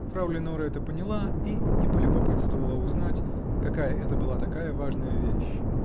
Фрау Леноре это поняла -- и не полюбопытствовала узнать, какая это была такая важная вещь.